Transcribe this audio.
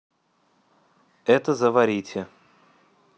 это заварите